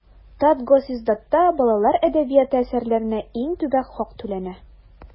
Татгосиздатта балалар әдәбияты әсәрләренә иң түбән хак түләнә.